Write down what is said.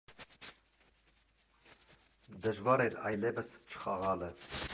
Դժվար էր այլևս չխաղալը։